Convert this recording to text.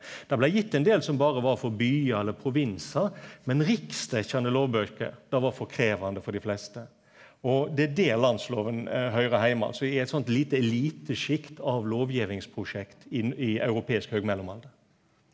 det blei gitt ein del som berre var for byar eller provinsar men riksdekkjande lovbøker det var for krevjande for dei fleste og det er der landsloven høyrer heime så i eit sånt lite elitesjikt av lovgjevingsprosjekt inn i europeisk høgmellomalder.